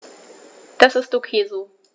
Das ist ok so.